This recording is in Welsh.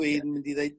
dwi'n mynd i ddeud